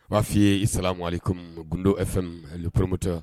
O b' f fɔi ye' sara ko gundo fɛ pmotɔ